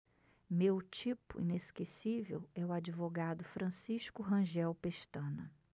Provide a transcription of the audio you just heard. meu tipo inesquecível é o advogado francisco rangel pestana